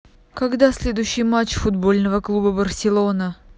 когда следующий матч футбольного клуба барселона